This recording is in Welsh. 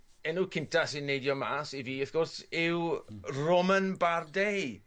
enw cynta sy' neidio mas i fi wrth gwrs yw Roman Bardet.